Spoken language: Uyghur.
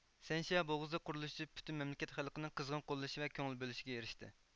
سەنشيا بوغۇزى قۇرۇلۇشى پۈتۈن مەملىكەت خەلقىنىڭ قىزغىن قوللىشى ۋە كۆڭۈل بۆلۈشىگە ئېرىشتى